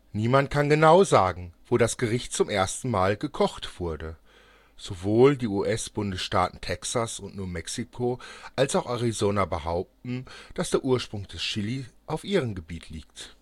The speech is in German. Niemand kann genau sagen, wo das Gericht zum ersten Mal gekocht wurde. Sowohl die US-Bundesstaaten Texas und New Mexico als auch Arizona behaupten, dass der Ursprung des Chili auf ihrem Gebiet liegt